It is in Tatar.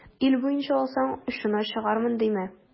Ил буенча алсаң, очына чыгармын димә.